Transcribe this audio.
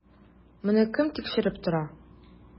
Моны кем тикшереп тора?